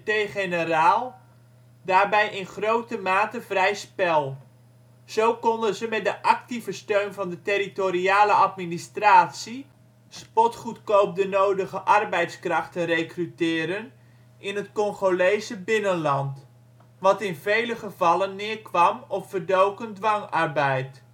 Générale) daarbij in grote mate vrij spel. Zo konden ze met de actieve steun van de territoriale administratie spotgoedkoop de nodige arbeidskrachten rekruteren in het Congolese binnenland, wat in vele gevallen neerkwam op verdoken dwangarbeid